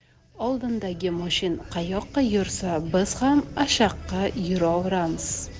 oldindagi moshin qayoqqa yursa biz ham ashaqqa yurovramiz